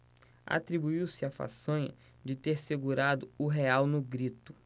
atribuiu-se a façanha de ter segurado o real no grito